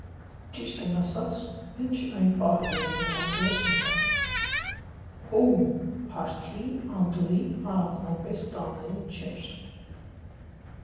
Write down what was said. Ճիշտն ասած, մինչ այն պահը, երբ նրանք ներս մտան հոում֊փարթիի՝ Անդոյի առանձնապես տանձին չէր։